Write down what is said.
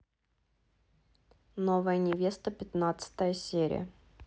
новая невеста пятнадцатая серия